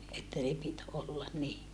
että ne piti olla niin